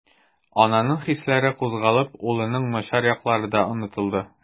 Ананың хисләре кузгалып, улының начар яклары да онытылды.